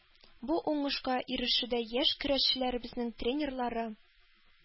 Бу уңышка ирешүдә яшь көрәшчеләребезнең тренерлары